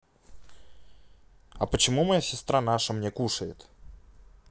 а почему моя сестра наша мне кушает